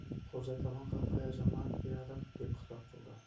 xo'ja kalon ham hayajonlanib beadad deb xitob qildi